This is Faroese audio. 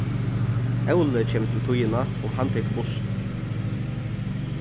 óli kemur til tíðina um hann tekur bussin